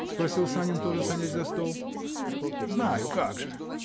-- спросил Санин, тоже садясь за стол. -- Знаю, как же.